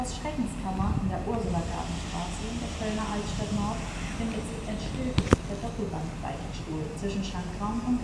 Schreckenskammer, Ursulagartenstraße, Köln-Altstadt-Nord – stillgelegter Doppelbank-Beichtstuhl zwischen Schankraum